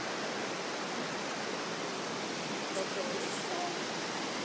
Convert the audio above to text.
доброго вечера